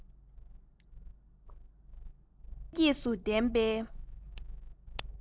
ང ཚོས རང རང ལ